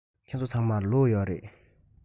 ཁྱེད ཚོ ཚང མར ལུག ཡོད རེད